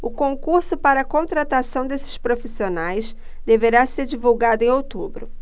o concurso para contratação desses profissionais deverá ser divulgado em outubro